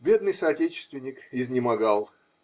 Бедный соотечественник изнемогал